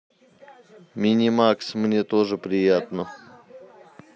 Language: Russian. минимакс мне тоже приятно